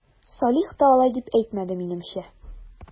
Салих та алай дип әйтмәде, минемчә...